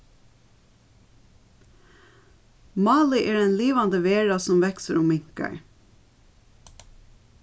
málið er ein livandi vera sum veksur og minkar